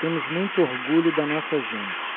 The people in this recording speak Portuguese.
temos muito orgulho da nossa gente